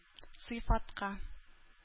Сыйфатка